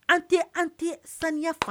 An tɛ an tɛ saniyafan